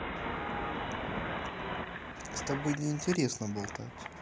с тобой неинтересно болтать